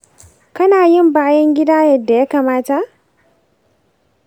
kana yin bayan gida yadda ya kamata?